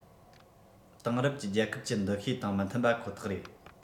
དེང རབས ཀྱི རྒྱལ ཁབ ཀྱི འདུ ཤེས དང མི མཐུན པ ཁོ ཐག རེད